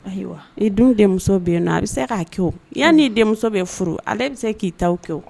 Ayiwa ni dun denmuso bɛ yen na a bɛ se k ka' kɛ yan ni denmuso bɛ furu ale bɛ se k'i ta kɛwu